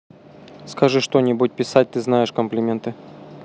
скажите что не буду писаться ты знаешь комплименты